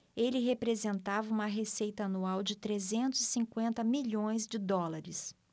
ele representava uma receita anual de trezentos e cinquenta milhões de dólares